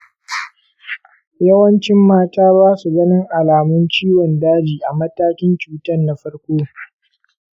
yawancin mata basu ganin alamun ciwon daji a matakin cutan na farko.